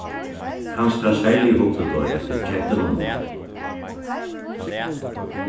kanska serliga hugdu teir eftir gentunum